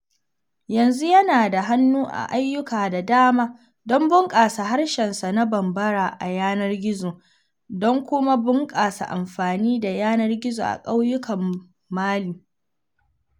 Yanzu yana da hannu a ayyuka da dama don bunƙasa harshensa na Bambara a yanar gizo, don kuma bunƙasa amfani da yanar gizo a ƙauyukan Mali.